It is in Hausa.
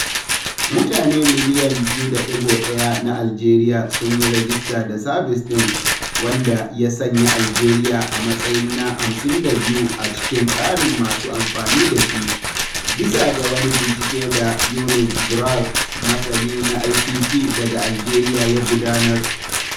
Mutane miliyan 2.1 na Algeria sun yi rajista da sabis ɗin, wanda ya sanya Algeria a matsayi na 52 a cikin tsarin masu amfani da shi, bisa ga wani bincike da Younes Grar, masani na ICT daga Algeria ya gudanar.